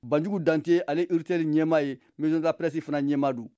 banjugu dante ale ye urtel ɲɛmaa ye ani maison de la presse fana ɲɛmaa don